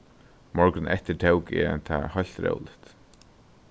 morgunin eftir tók eg tað heilt róligt